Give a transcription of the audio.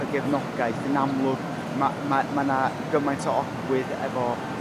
y gefnogaeth yn amlwg ma' ma' ma' 'na gymaint o ogwydd efo